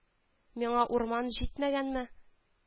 – миңа урман җитмәгәнме?! –